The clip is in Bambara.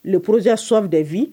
le porojan sɔn defin